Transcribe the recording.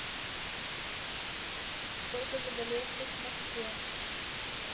сколько заболевших в москве